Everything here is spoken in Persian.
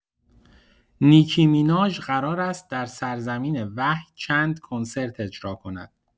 نیکی میناژ قرار است در سرزمین وحی چند کنسرت اجرا کند.